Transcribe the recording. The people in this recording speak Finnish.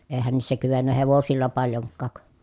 eihän niissä kyennyt hevosilla paljonkaan